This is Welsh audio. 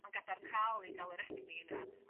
ma'n gadarnhaol i ga'l yr egni 'na